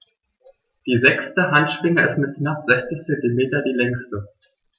Die sechste Handschwinge ist mit knapp 60 cm die längste.